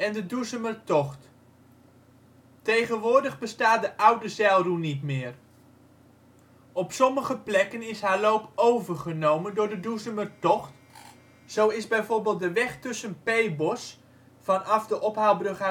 de Doezumertocht. Tegenwoordig bestaat de Oude Zijlroe niet meer. Op sommige plekken is haar loop overgenomen door de Doezumertocht; zo is bijvoorbeeld de weg tussen Peebos (vanaf de ophaalbrug